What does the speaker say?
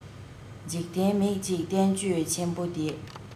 འཇིག རྟེན མིག གཅིག བསྟན བཅོས ཆེན པོ འདི